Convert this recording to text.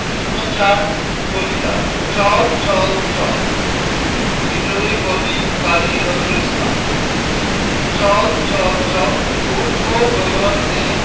০৪ কবিতা চল চল চল বিদ্রোহী কবি কাজী নজরুল ইসলাম চল চল চল ঊর্ধ্ব গগনে